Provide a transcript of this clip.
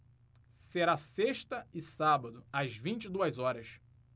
será sexta e sábado às vinte e duas horas